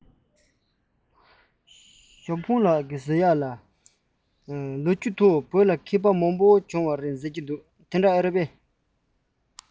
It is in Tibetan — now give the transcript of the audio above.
ཞའོ ཧྥུང ལགས ཟེར ཡས ལ བྱས ན ལོ རྒྱུས ཐོག བོད ལ མཁས པ མང པོ བྱུང བ རེད ཟེར གྱིས དེ འདྲ རེད པས